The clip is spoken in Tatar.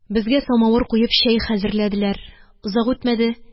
Безгә самавыр куеп чәй хәзерләделәр, озак үтмәде,